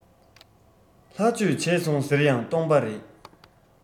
ལྷ ཆོས བྱས སོང ཟེར ཡང སྟོང པ རེད